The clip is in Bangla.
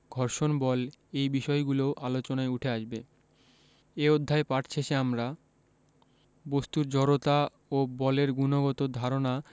ঘর্ষণ বল এই বিষয়গুলোও আলোচনায় উঠে আসবে এ অধ্যায় পাঠ শেষে আমরা বস্তুর জড়তা ও বলের গুণগত ধারণা